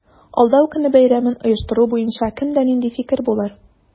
Алдау көне бәйрәмен оештыру буенча кемдә нинди фикер булыр?